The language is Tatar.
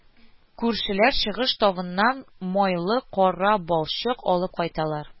Күршеләр Чыгыш тавыннан майлы кара балчык алып кайталар